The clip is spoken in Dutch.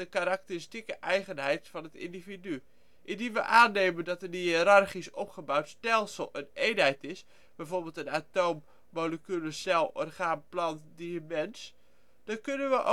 karakteristieke eigenheid van het individu. Indien we aannemen dat een hiërarchisch opgebouwd stelsel een eenheid is (bijvoorbeeld een atoom, molecule, cel, orgaan, plant, dier, mens} dan kunnen we over